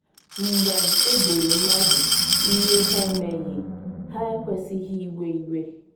Mgbe eboro mmadụ ihe ha emeghị, ha ekwesịghị iwe iwe.